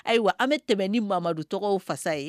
Ayiwa an bɛ tɛmɛ ni mamadu tɔgɔ fasa ye